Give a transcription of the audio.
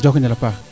njoko njal a paax